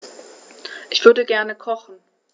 Ich würde gerne kochen.